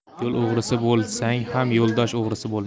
yo'l o'g'risi bo'lsang ham yo'ldosh o'g'risi bo'lma